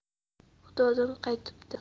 xudodan qaytibdi